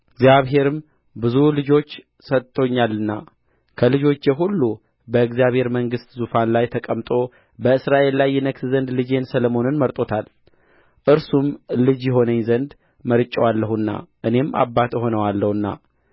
እግዚአብሔርም ብዙ ልጆች ሰጥቶኛልና ከልጆቼ ሁሉ በእግዚአብሔር መንግሥት ዙፋን ላይ ተቀምጦ በእስራኤል ላይ ይነግሥ ዘንድ ልጄን ሰሎሞንን መርጦታል እርሱም ልጅ ይሆነኝ ዘንድ መርጬዋለሁና እኔም አባት እሆነዋለሁና